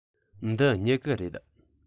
འདི སྨྱུ གུ རེད